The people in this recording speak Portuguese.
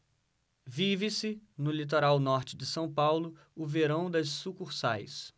vive-se no litoral norte de são paulo o verão das sucursais